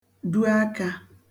du akā